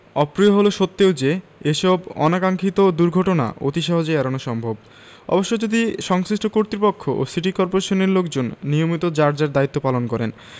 অপ্রিয় হলেও সত্ত্বেও যে এসব অনাকাংক্ষিত দুর্ঘটনা অতি সহজেই এড়ানো সম্ভব অবশ্য যদি সংশ্লিষ্ট কর্তৃপক্ষ ও সিটি কর্পোরেশনের লোকজন নিয়মিত যার যার দায়িত্ব পালন করেন